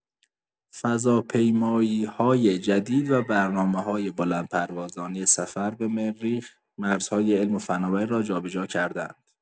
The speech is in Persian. فضاپیمایی‌های جدید و برنامه‌‌های بلندپروازانه سفر به مریخ، مرزهای علم و فناوری را جابه‌جا کرده‌اند.